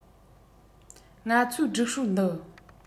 ང ཚོའི སྒྲིག སྲོལ འདི